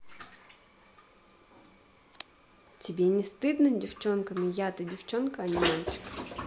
тебе не стыдно девчонками я то девчонка а не мальчик